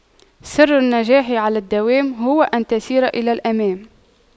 سر النجاح على الدوام هو أن تسير إلى الأمام